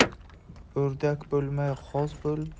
o'rdak bo'lmay g'oz bo'l